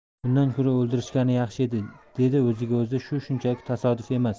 bundan ko'ra o'ldirishgani yaxshi edi dedi o'ziga o'zi bu shunchaki tasodif emas